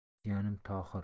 jiyanim tohir